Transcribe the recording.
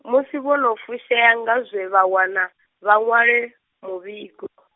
musi vho no fushea nga zwe vha wana, vha ṅwala, muvhigo.